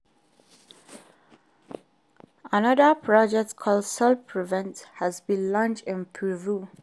Another project called Cell-PREVEN has been launched in Peru.